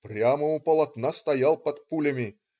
Прямо у полотна стоял под пулями.